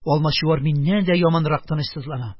Алмачуар миннән дә яманрак тынычсызлана.